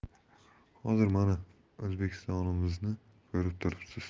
hozir mana o'zbekistonimizni ko'rib turibsiz